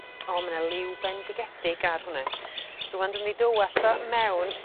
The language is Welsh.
O ma' 'ne liw bendigedig ar hwnne. Rŵan dw myn' i dywallt o mewn